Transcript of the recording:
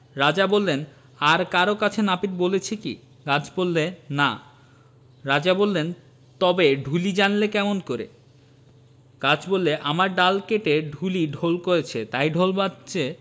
রাজা বললেন আর কারো কাছে নাপিত বলেছে কি গাছ বললে না রাজা বললেন তবে ঢুলি জানলে কেমন করে গাছ বললে আমার ডাল কেটে ঢুলি ঢোল করেছে তাই ঢোল বাজছে